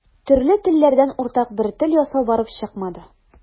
Төрле телләрдән уртак бер тел ясау барып чыкмады.